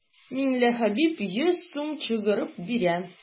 Миңлехәбиб йөз сум чыгарып бирә.